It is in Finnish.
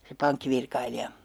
se pankkivirkailija